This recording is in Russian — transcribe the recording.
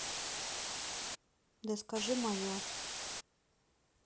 да скажи мое